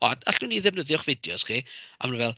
O, allwn ni ddefnyddio eich fideos chi? A maen nhw fel...